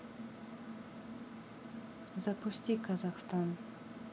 запусти казахстан